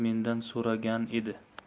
mendan so'ragan edi